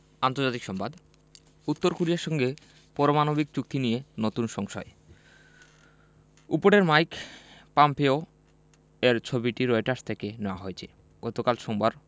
আন্তর্জাতিক সংবাদ উত্তর কোরিয়ার সঙ্গে পরমাণবিক চুক্তি নিয়ে নতুন সংশয় উপরের মাইক পম্পেও এর ছবিটি রয়টার্স থেকে নেয়া হয়েছে গতকাল সোমবার